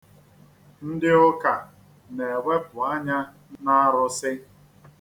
Ndị ụka na-ewepụ anya n'arụsị.